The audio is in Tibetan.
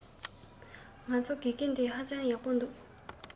ང ཚོའི དགེ རྒན འདི ཧ ཅང ཡག པོ འདུག